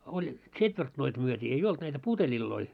oli tsetvertnoit myytiin ei ollut näitä puteleita